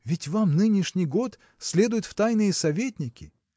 – ведь вам нынешний год следует в тайные советники.